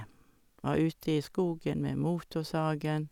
Var ute i skogen med motorsagen.